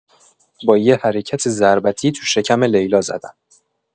با یه حرکت ضربت ی تو شکم لیلا زدم.